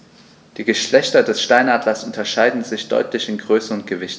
Die Geschlechter des Steinadlers unterscheiden sich deutlich in Größe und Gewicht.